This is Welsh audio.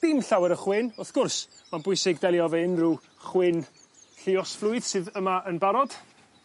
dim llawer o chwyn wrth gwrs, ma'n bwysig delio efo unryw chwyn lluosflwydd sydd yma yn barod.